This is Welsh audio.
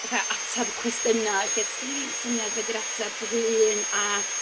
Fatha ateb y cwestiynau lle 'sgenna fi'm syniad be 'di'r ateb fy hun, a...